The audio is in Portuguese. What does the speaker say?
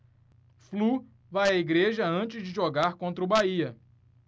flu vai à igreja antes de jogar contra o bahia